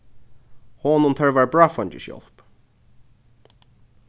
honum tørvar bráðfeingishjálp